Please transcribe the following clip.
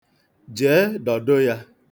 Jee, dọdo ya.